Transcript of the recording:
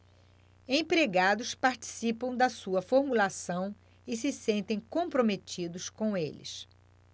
empregados participam da sua formulação e se sentem comprometidos com eles